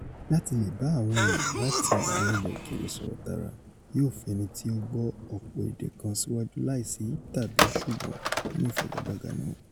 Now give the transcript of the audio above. Láti leè bá àwọn èèyàn láti àwọn ilẹ̀ òkèèrè sọrọ tààra yóò fi ẹnití ó gbọ́ ọ̀pọ̀ èdè kan síwájú láìsí tàbí-ṣùgbọ́n nínú ìfagagbága náà.